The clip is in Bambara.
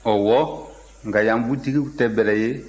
ɔwɔ nka yan butikiw tɛ bɛrɛ ye